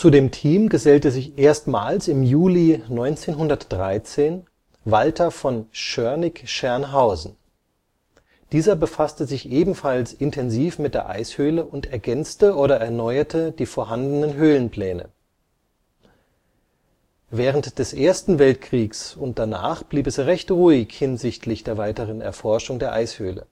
dem Team gesellte sich erstmals im Juli 1913 Walter von Czoernig-Czernhausen. Dieser befasste sich ebenfalls intensiv mit der Eishöhle und ergänzte oder erneuerte die vorhandenen Höhlenpläne. Bodeneisformation Während des Ersten Weltkriegs und danach blieb es recht ruhig hinsichtlich der weiteren Erforschung der Eishöhle